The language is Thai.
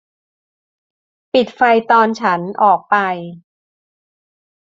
ปิดไฟตอนฉันออกไป